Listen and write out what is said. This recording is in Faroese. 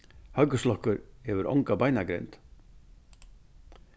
høgguslokkur hevur onga beinagrind